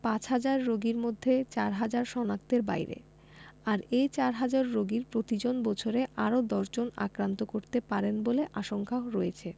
পাঁচহাজার রোগীর মধ্যে চারহাজার শনাক্তের বাইরে আর এ চারহাজার রোগীর প্রতিজন বছরে আরও ১০ জনকে আক্রান্ত করতে পারেন বলে আশঙ্কা রয়েছে